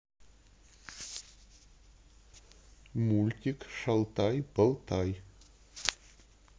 мультик шалтай болтай